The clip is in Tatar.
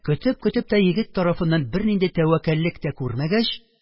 Көтеп-көтеп тә егет тарафыннан бернинди тәвәккәллек тә күрмәгәч